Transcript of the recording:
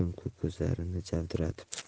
vali ko'm ko'k ko'zlarini jovdiratib